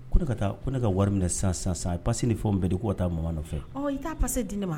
Ko ne ka taa ko ne ka wari minɛ sa sa sa i pasi ni fɔw bɛɛ de ko ka taa mɔn nɔfɛ ɔ i taa pa se di ne ma